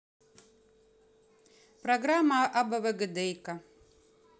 программа абвгдейка